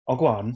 O go on.